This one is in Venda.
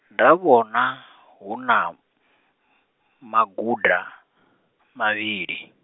nda vhona, huna, maguḓa, mavhili.